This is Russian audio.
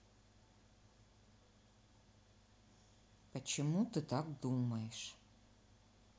почему ты так думаешь